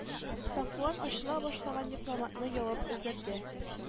Сафуан ачыла башлаган дипломатны ябып өлгерде